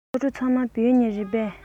སློབ ཕྲུག ཚང མ བོད ལྗོངས ནས རེད པས